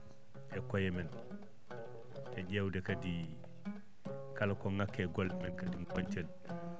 e koye men e ƴeewde kadi kala ko ŋakki e golle men kandi goñcen